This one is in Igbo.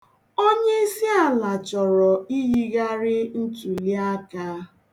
Onyiisiala chọrọ iyigharị ntụliaka.